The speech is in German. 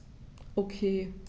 Okay.